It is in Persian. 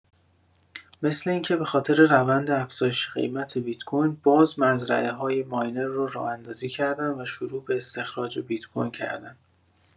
مثل اینکه بخاطر روند افزایش قیمت بیت کوین، باز مزرعه‌های ماینر رو راه‌اندازی کردن و شروع به استخراج بیت کوین کردن